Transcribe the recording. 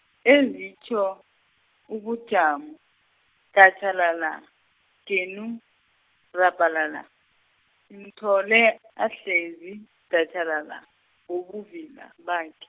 ezitjho, ubujamo, datjhalala, genu, rabhalala, simthole ahlezi, datjhalala ngobuvila, bakhe.